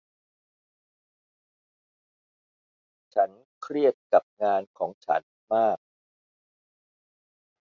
ฉันเครียดกับงานของฉันมาก